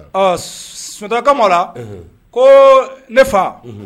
Sunjata kamama la ko ne fa